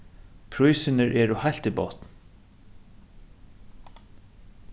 prísirnir eru heilt í botn